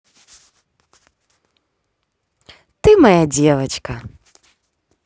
ты моя девочка